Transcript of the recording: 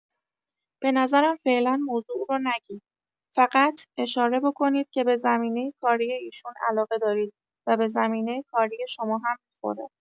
به نظرم فعلا موضوع رو نگید، فقط اشاره بکنید که به زمینه کاری ایشون علاقه دارید و به زمینه کاری شما هم می‌خوره.